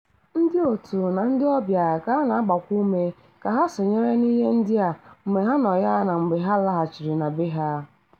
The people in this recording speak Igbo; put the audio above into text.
Ndị òtù na ndị ọbịa ka a na-agbakwa ume ka ha sonyere n'ihe ndị a, mgbe ha nọ ya na mgbe ha laghachiri na be ha.